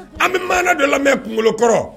An bɛ mana dɔ lamɛn kunkolokɔrɔ